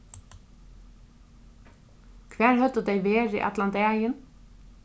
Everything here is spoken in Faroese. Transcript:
hvar høvdu tey verið allan dagin